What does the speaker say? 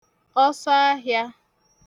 ọsọahịā